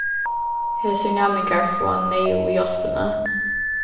hesir næmingar fáa neyðugu hjálpina